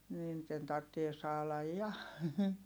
niin niiden tarvitsee saada ja